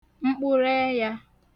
mkpụrụẹyā